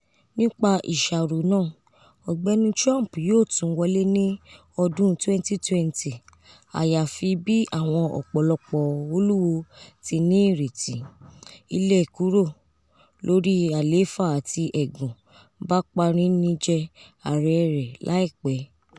Nipa iṣaro naa, Ọgbẹni Trump yoo tun wọle ni 2020 ayafi, bi awọn ọpọlọpọ oluwo ti ni ireti, ile kúrò lori alefa ati ẹgan ba parinijẹ arẹ rẹ laipe.